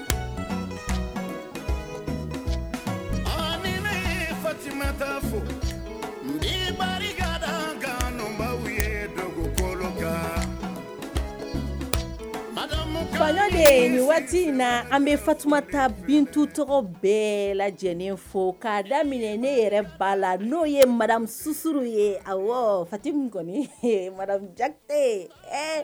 Fo ye dugu waati in na an bɛ fat ta bintu tɔgɔ bɛɛ lajɛ lajɛlen fo ka lam ne yɛrɛ ba la n'o ye marasusu ye a fati kɔni jate